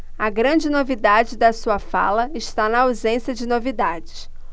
a grande novidade de sua fala está na ausência de novidades